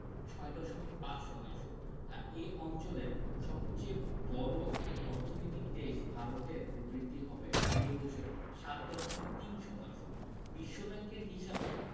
৬.৫ শতাংশ আর এ অঞ্চলের সবচেয়ে বড় অর্থনৈতিক দেশ ভারতের প্রবৃদ্ধি হবে এ বছর ৭.৩ শতাংশ বিশ্বব্যাংকের হিসাবে